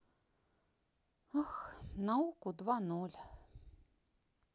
науку два ноль